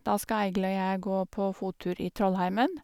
Da skal Eigil og jeg gå på fottur i Trollheimen.